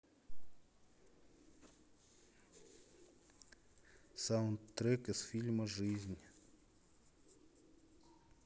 саундтрек из фильма жизнь